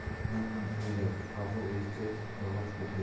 chindan ham o'yladi tohir o'zicha yog'och ko'prik